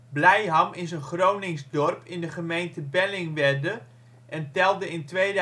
Blijham is een Gronings dorp in de gemeente Bellingwedde en telde in 2006 2918